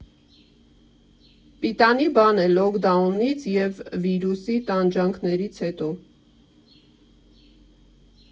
Պիտանի բան է լոքդաունից և վիրուսի տանջանքներից հետո։